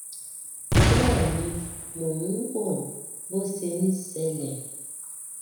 Bẹ́ẹ̀ ni mò ń wòó bó se ń ṣẹlẹ̀.